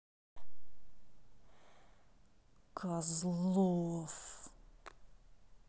козлов